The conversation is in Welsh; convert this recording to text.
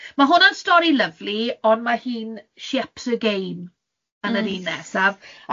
Ma' hwnna'n stori lyfli, ond ma' hi'n Ships Again yn yr un nesaf.